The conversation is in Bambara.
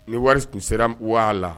Ni wari tun sera wa la